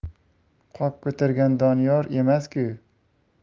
qop ko'targan doniyor emasku